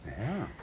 ja.